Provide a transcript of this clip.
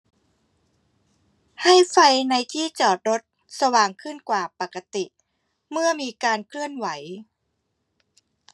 ให้ไฟในที่จอดรถสว่างขึ้นกว่าปกติเมื่อมีการเคลื่อนไหว